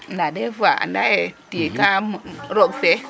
Nda dés fois anda ye tiye roog fe .